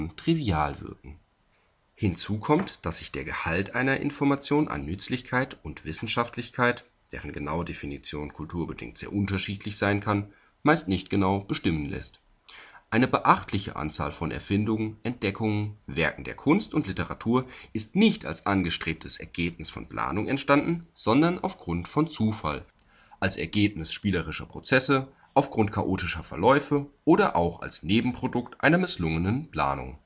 trivial wirken. Hinzu kommt, dass sich der Gehalt einer Information an Nützlichkeit und „ Wissenschaftlichkeit “(deren genaue Definition kulturbedingt sehr unterschiedlich sein kann) meist nicht genau bestimmen lässt. Eine beachtliche Anzahl von Erfindungen, Entdeckungen, Werken der Kunst und Literatur ist nicht als angestrebtes Ergebnis von Planung entstanden, sondern aufgrund von Zufall, als Ergebnis spielerischer Prozesse, aufgrund chaotischer Verläufe oder auch als Nebenprodukt einer misslungenen Planung